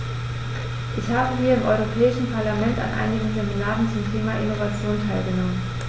Ich habe hier im Europäischen Parlament an einigen Seminaren zum Thema "Innovation" teilgenommen.